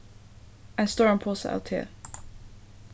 ein stóran posa av te